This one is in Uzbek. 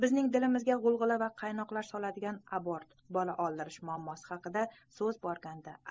bizning dilimizga g'ulg'ula va qiynoqlar soladigan abort bola oldirish muammosi haqida so'z borganda